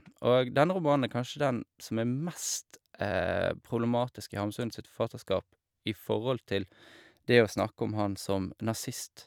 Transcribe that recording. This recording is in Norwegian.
Og denne romanen er kanskje den som er mest problematisk i Hamsun sitt forfatterskap i forhold til det å snakke om han som nazist.